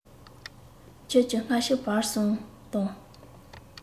ཁྱོད ཀྱིས སྔ ཕྱི བར གསུམ དང